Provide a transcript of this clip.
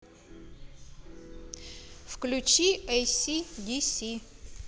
включи эй си ди си